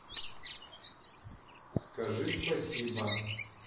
скажи спасибо